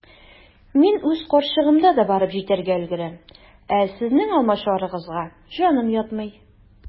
Мин үз карчыгымда да барып җитәргә өлгерәм, ә сезнең алмачуарыгызга җаным ятмый.